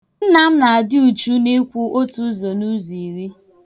Nnam na-adị uchu na ịkwụ otuuzọ nụụzọ iri.